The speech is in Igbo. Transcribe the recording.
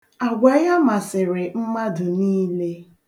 Agwa ya masịrị mmadụ niile.